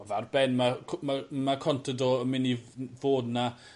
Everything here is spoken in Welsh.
ma' fe ar ben ma' Cw ma' ma' Contador yn myn' i f- fod 'na